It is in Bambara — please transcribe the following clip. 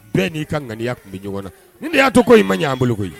Bɛɛ n'i ka ŋaniya tun bɛ ɲɔgɔn na n'i de y'a to ko in maɲɛ an bolo koyi